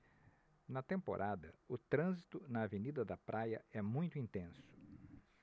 na temporada o trânsito na avenida da praia é muito intenso